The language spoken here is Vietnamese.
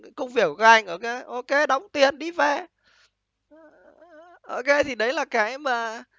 công việc các anh ô kê ô kê đóng tiền đi về ô kê thì đấy là cái mà